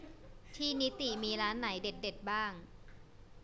ที่นิติมีร้านไหนเด็ดเด็ดบ้าง